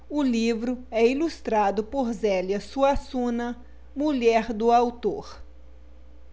o livro é ilustrado por zélia suassuna mulher do autor